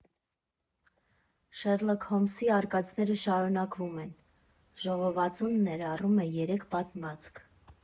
«Շերլոք Հոլմսի արկածները շարունակվում են» ժողովածուն ներառում է երեք պատմվածք։